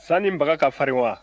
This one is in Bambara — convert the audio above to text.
sa nin baga ka farin wa